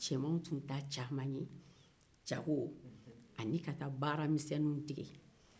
cɛmanw tun ta caman ye jago ani ka taa baara misɛnnniw dege